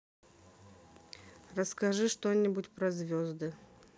расскажи что нибудь про звезды